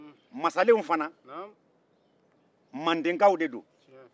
masarenw fana mandenkaw dɛ don